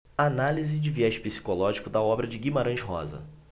análise de viés psicológico da obra de guimarães rosa